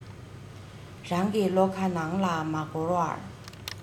རང གི བློ ཁ ནང ལ མ བསྐོར བར